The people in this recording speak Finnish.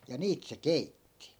ja niitä se keitti